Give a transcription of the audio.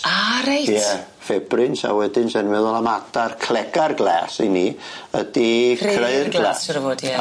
A reit. Ie ffebrins a wedyn sa'n i'n meddwl am adar clegar gles i ni ydi creu'r glas... Creu'r glas siŵr o fod ie.